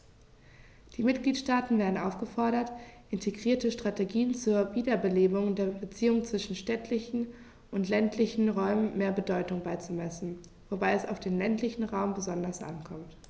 Die Mitgliedstaaten werden aufgefordert, integrierten Strategien zur Wiederbelebung der Beziehungen zwischen städtischen und ländlichen Räumen mehr Bedeutung beizumessen, wobei es auf den ländlichen Raum besonders ankommt.